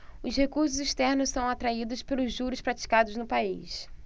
os recursos externos são atraídos pelos juros praticados no país